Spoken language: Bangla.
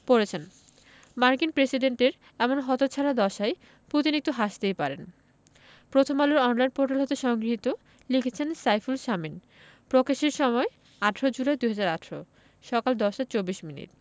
পড়েছেন মার্কিন প্রেসিডেন্টের এমন হতচ্ছাড়া দশায় পুতিন একটু হাসতেই পারেন প্রথম আলোর অনলাইন পোর্টাল হতে সংগৃহীত লিখেছেন সাইফুল সামিন প্রকাশের সময় ১৮ জুলাই ২০১৮ সকাল ১০টা ২৪ মিনিট